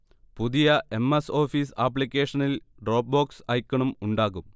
പുതിയ M. S. Office ആപ്ലിക്കേഷനിൽ Dropbox ഐക്കണും ഉണ്ടാകും